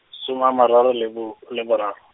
soma a mararo le bo-, le boraro.